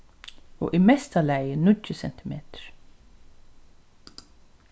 og í mesta lagi níggju cm